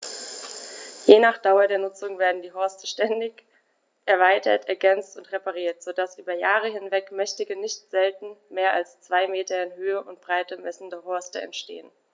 Je nach Dauer der Nutzung werden die Horste ständig erweitert, ergänzt und repariert, so dass über Jahre hinweg mächtige, nicht selten mehr als zwei Meter in Höhe und Breite messende Horste entstehen.